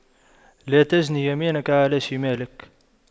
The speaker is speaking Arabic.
لا تجن يمينك على شمالك